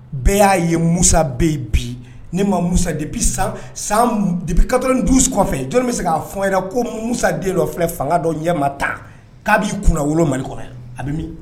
Bɛɛ y'a ye musabe bi ma musa de ka du kɔfɛ jɔn bɛ se k'a fɔ ko musaden dɔ filɛ fanga dɔ ɲɛma ta k'a b'i kun wolo mali kɔnɔ yan a bɛ